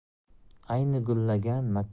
ayni gullagan makkajo'xorilarning